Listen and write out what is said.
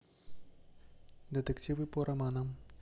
детективы по романам